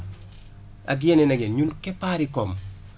ak yeneen ak yeneen ñun keppaari koom